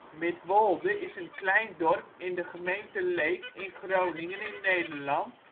Midwolle) is een klein dorp in de gemeente Leek (Groningen, Nederland